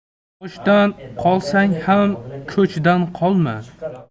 oshdan qolsang ham ko'chdan qolma